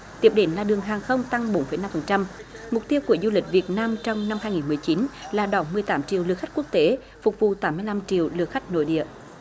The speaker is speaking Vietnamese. tiếp đến là đường hàng không tăng bốn phẩy năm phần trăm mục tiêu của du lịch việt nam trong năm hai nghìn mười chín là đón mười tám triệu lượt khách quốc tế phục vụ tám mươi lăm triệu lượt khách nội địa